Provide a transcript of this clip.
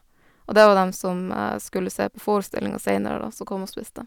Og det var dem som skulle se på forestillinga seinere, da, som kom og spiste.